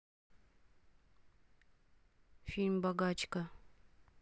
фильм богачка